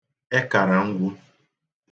ẹkàrà ngwu